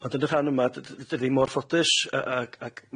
Ond yn y rhan yma dy- dy- dydi mor ffodus yy ag ag